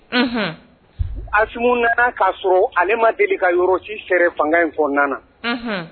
As nana k'a sɔrɔ ale ma deli ka yɔrɔsi sɛ fanga in fɔ nana